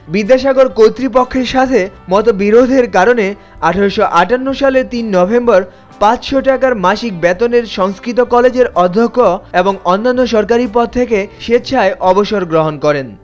বিদ্যাসাগর কর্তৃপক্ষের সাথে মতবিরোধের কারণে ১৮৫৮ সালের ৩। নভেম্বর ৫০০ টাকার মাসিক বেতনের সংস্কৃত কলেজের অধ্যক্ষ এবং অন্যান্য সরকারি পদ থেকে স্বেচ্ছায় অবসর গ্রহণ করেন